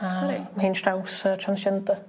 A... Sori? ...ma' hi'n traws yy transgender.